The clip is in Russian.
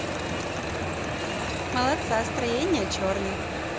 молодца строение черный